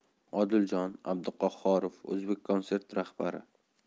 odiljon abduqahhorov o'zbekkonsert rahbari